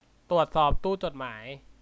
ตรวจสอบตู้จดหมาย